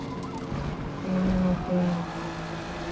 эми макдональдс